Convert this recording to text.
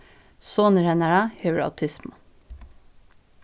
sonur hennara hevur autismu